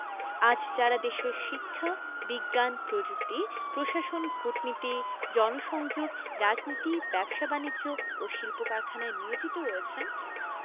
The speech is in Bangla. আজ যাঁরা দেশের শিক্ষা বিজ্ঞান প্রযুক্তি প্রশাসন কূটনীতি জনসংযোগ রাজনীতি ব্যবসা বাণিজ্য ও শিল্প কারখানায় নিয়োজিত রয়েছেন